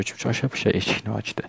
shosha pisha eshikni ochdi